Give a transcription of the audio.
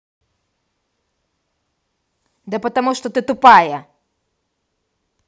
да потому что ты тупая